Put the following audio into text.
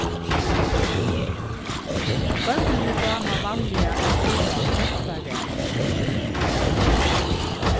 børnini dáma vanliga at sita á fremsta raði